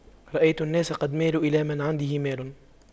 رأيت الناس قد مالوا إلى من عنده مال